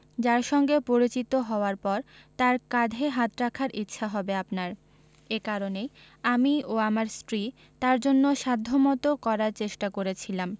যাঁর সঙ্গে পরিচিত হওয়ার পর তাঁর কাঁধে হাত রাখার ইচ্ছা হবে আপনার এ কারণেই আমি ও আমার স্ত্রী তাঁর জন্য সাধ্যমতো করার চেষ্টা করেছিলাম